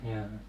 jaaha